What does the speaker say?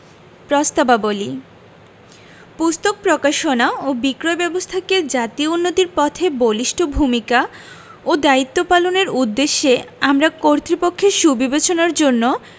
প্রস্তাবাবলী পুস্তক প্রকাশনা ও বিক্রয় ব্যবস্থাকে জাতীয় উন্নতির পথে বলিষ্ঠ ভূমিকা ও দায়িত্ব পালনের উদ্দেশ্যে আমরা কর্তৃপক্ষের সুবিবেচনার জন্য